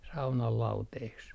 saunan lauteeksi